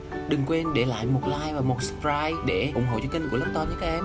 đừng quên để lại like và subscribe để ủng hộ cho kênh của love tom nhé các em